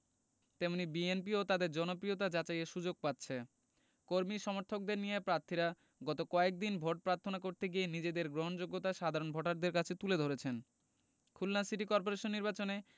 তেমনি বিএনপিও তাদের জনপ্রিয়তা যাচাইয়ের সুযোগ পাচ্ছে কর্মী সমর্থকদের নিয়ে প্রার্থীরা গত কয়েক দিনে ভোট প্রার্থনা করতে গিয়ে নিজেদের গ্রহণযোগ্যতা সাধারণ ভোটারদের কাছে তুলে ধরেছেন খুলনা সিটি করপোরেশন নির্বাচনে